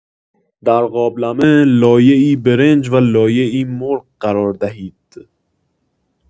در قابلمه، لایه‌ای برنج و لایه‌ای مرغ قرار دهید.